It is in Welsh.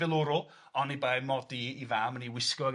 filwrol, oni bai mod i 'i fam yn ei wisgo ag arfau... Ia...